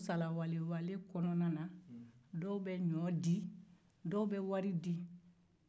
o kɔnɔna na dɔw bɛ ɲɔ di dɔw bɛ wari di